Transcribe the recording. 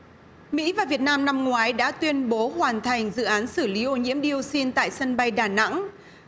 mỹ và việt nam năm ngoái đã tuyên bố hoàn thành dự án xử lý ô nhiễm đi ô xin tại sân bay đà nẵng